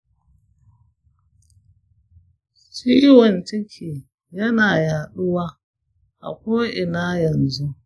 ciwon cikin yana yaɗuwa a ko’ina yanzu.